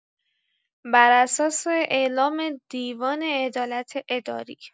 براساس اعلام دیوان عدالت اداری